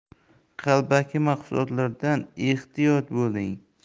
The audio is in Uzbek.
qalbaki mahsulotlardan ehtiyot bo'ling